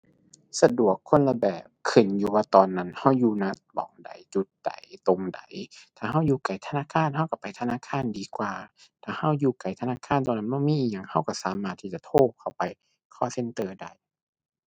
สะดวกคนละแบบ ขึ้นอยู่ว่าตอนนั้นเราอยู่ ณ หม้องใด จุดใด ตรงใด ถ้าเราอยู่ใกล้ธนาคารเราเราไปธนาคารดีกว่า ถ้าเราอยู่ไกลธนาคารตอนนั้นมันบ่มีอิหยังเราเราสามารถที่จะโทรเข้าไป call center ได้